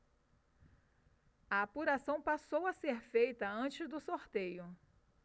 a apuração passou a ser feita antes do sorteio